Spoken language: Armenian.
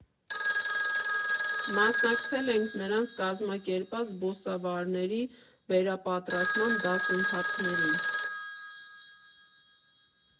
Մասնակցել ենք նրանց կազմակերպած զբոսավարների վերապատրաստման դասընթացներին։